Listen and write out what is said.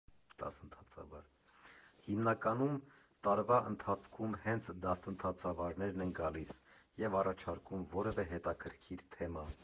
Հիմնականում տարվա ընթացքում հենց դասընթացավարներն են գալիս և առաջարկում որևէ հետաքրքիր թեմա։